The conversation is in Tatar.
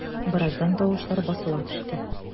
Бераздан тавышлар басыла төште.